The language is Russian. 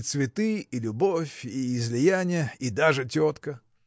и цветы, и любовь, и излияния, и даже тетка.